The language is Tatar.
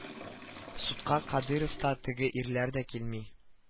Судка кадыйров та теге ирләр дә килми